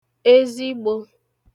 ezigbō